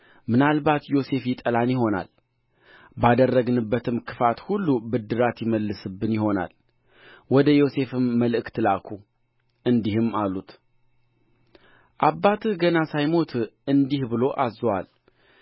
ምናልባት ዮሴፍ ይጠላን ይሆናል ባደረግንበትም ክፋት ሁሉ ብድራት ይመልስብን ይሆናል ወደ ዮሴፍም መልእክት ላኩ እንዲህም አሉት አባትህ ገና ሳይሞት እንዲህ ብሎ አዝዞአል